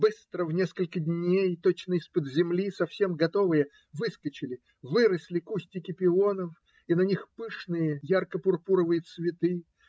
Быстро, в несколько дней, точно из-под земли, совсем готовые, выскочили, выросли кустики пионов, и на них пышные ярко-пурпуровые цветы.